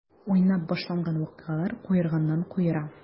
Уйнап башланган вакыйгалар куерганнан-куера.